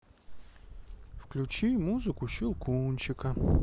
включи музыку щелкунчика